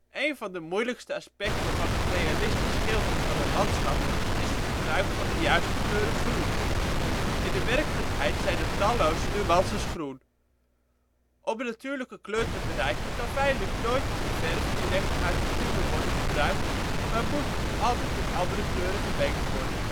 Eén van de moeilijkste aspecten van het realistisch schilderen van een landschap is het gebruik van de juiste kleuren groen. In de werkelijkheid zijn er talloze nuances groen. Om een natuurlijke kleur te bereiken kan feitelijk nooit de verf direct uit de tube gebruikt worden, maar moet altijd met andere kleuren gemengd worden